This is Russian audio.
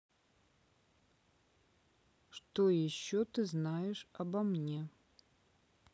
что еще ты знаешь обо мне